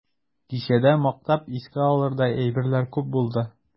Кичәдә мактап искә алырдай әйберләр күп булды.